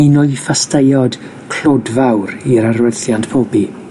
un o'i phasteiod clodfawr i'r arwerthiant pobi.